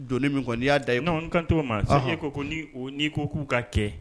Donni min kɔ n'i n y'a da e kun, non n kan t'o ma sa e ko n'i ko k'u k'a kɛ